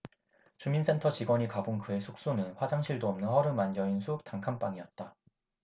주민센터 직원이 가본 그의 숙소는 화장실도 없는 허름한 여인숙 단칸방이었다